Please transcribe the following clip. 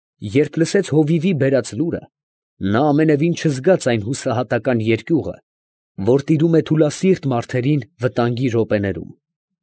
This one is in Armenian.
Երբ լսեց հովիվի բերած լուրը, նա ամենևին չզգաց այն հուսահատական երկյուղը, որ տիրում է թուլասիրտ մարդերին վտանգի րոպեներում։